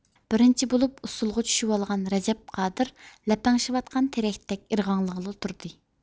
بىرىنچى بولۇپ ئۇسسۇلغا چۈشۈۋالغان رەجەپ قادىر لەپەڭشىۋاتقان تېرەكتەك ئىرغاڭلىغىلى تۇردى